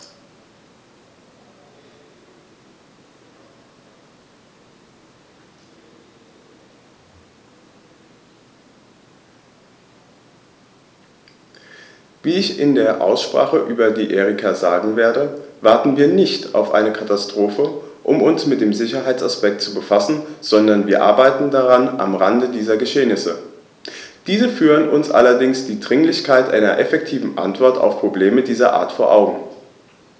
Wie ich in der Aussprache über die Erika sagen werde, warten wir nicht auf eine Katastrophe, um uns mit dem Sicherheitsaspekt zu befassen, sondern wir arbeiten daran am Rande dieser Geschehnisse. Diese führen uns allerdings die Dringlichkeit einer effektiven Antwort auf Probleme dieser Art vor Augen.